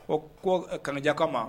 O ko kanajaka ma